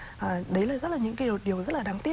đấy là rất là những cái điều điều rất là đáng tiếc